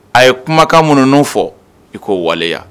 A ye kumakan minnu fɔ i ko waleya.